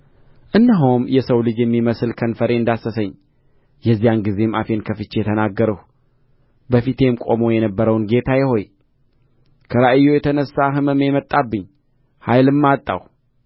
እነሆም የሰው ልጅ የሚመስል ከንፈሬን ዳሰሰኝ የዚያን ጊዜም አፌን ከፍቼ ተናገርሁ በፊቴም ቆሞ የነበረውን ጌታዬ ሆይ ከራእዩ የተነሣ ሕመሜ መጣብኝ ኃይልም አጣሁ